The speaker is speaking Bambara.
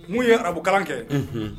N'u ye arabukan kɛ